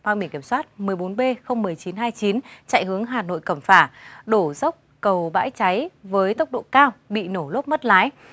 mang biển kiểm soát mười bốn bê không mười chín hai chín chạy hướng hà nội cẩm phả đổ dốc cầu bãi cháy với tốc độ cao bị nổ lốp mất lái